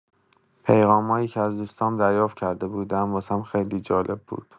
پیغامایی که از دوستام دریافت کرده بودم واسم خیلی جالب بود.